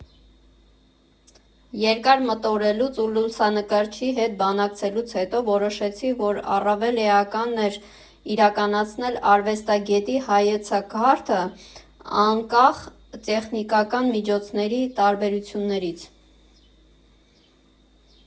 Երկար մտորելուց ու լուսանկարչի հետ բանակցելուց հետո, որոշեցի, որ առավել էական էր իրականացնել արվեստագետի հայեցակարգը՝ անկախ տեխնիկական միջոցների տարբերություններից։